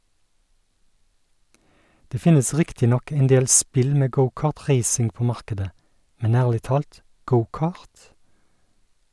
Det finnes riktig nok endel spill med go-cart-racing på markedet, men ærlig talt - go-cart?